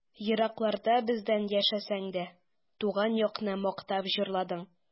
Еракларда бездән яшәсәң дә, Туган якны мактап җырладың.